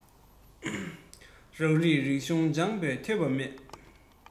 རང རིགས རིག གཞུང སྦྱངས པའི ཐོས པ མེད